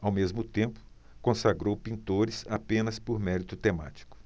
ao mesmo tempo consagrou pintores apenas por mérito temático